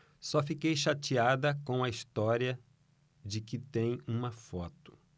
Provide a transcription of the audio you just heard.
só fiquei chateada com a história de que tem uma foto